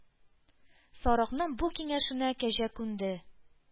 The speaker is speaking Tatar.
Сарыкның бу киңәшенә Кәҗә күнде: